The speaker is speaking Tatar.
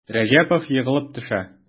Рәҗәпов егылып төшә.